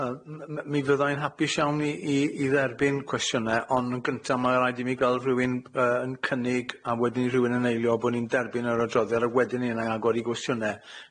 Yy m- m- mi fyddai'n hapus iawn i i i dderbyn cwestiyne on' yn gynta ma' raid i mi ga'l rywun yy yn cynnig a wedyn rhywun yn eilio bo ni'n derbyn yr adroddiad a wedyn 'ny yn agor i gwestiyne.